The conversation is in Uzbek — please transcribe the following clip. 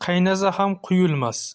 qaynasa ham quyulmas